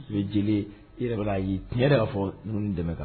U bɛ jeli i yɛrɛ bɛ'a ye tiɲɛ yɛrɛ b'a fɔ ninnu dɛmɛ kan